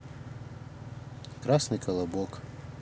красный колобок